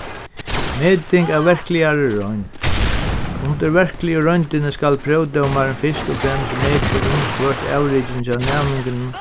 meting av verkligari roynd undir verkligu royndini skal próvdómarin fyrst og fremst meta um hvørt avrikið næmingunum